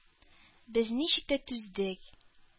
Без ничек тә түздек.